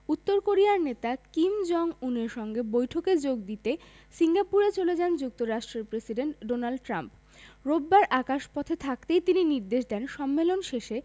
উত্তর কোরিয়ার নেতা কিম জং উনের সঙ্গে বৈঠকে যোগ দিতে সিঙ্গাপুরে চলে যান যুক্তরাষ্ট্রের প্রেসিডেন্ট ডোনাল্ড ট্রাম্প রোববার আকাশপথে থাকতেই তিনি নির্দেশ দেন সম্মেলন শেষে